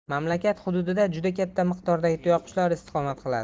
mamlakat hududida juda katta miqdordagi tuyaqushlar istiqomat qiladi